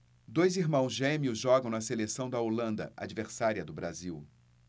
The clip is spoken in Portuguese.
dois irmãos gêmeos jogam na seleção da holanda adversária do brasil